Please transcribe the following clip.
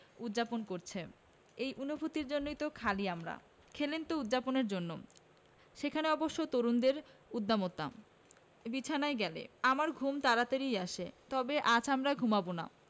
উদ্ যাপন করছে এই অনুভূতির জন্যই তো খেলি আমরা খেলেন তো উদ্ যাপনের জন্যও সেখানে অবশ্য তরুণের উদ্দামতা বিছানায় গেলে আমার ঘুম খুব তাড়াতাড়িই আসে তবে আজ আমরা ঘুমাব না